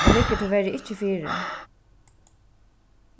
tað liggur tíverri ikki fyri